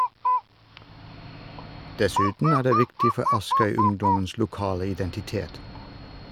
Dessuten er det viktig for Askøy-ungdommens lokale identitet.